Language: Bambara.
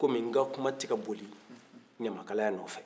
kɔmi n ka kuma tɛ ka boli ɲamakaya nɔfɛ